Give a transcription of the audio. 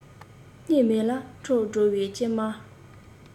སྙིང མེད ལ འཕྲང སྒྲོལ བའི སྐྱེལ མ